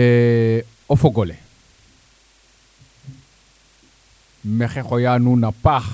e% o fogole mexey xooya nuun a paax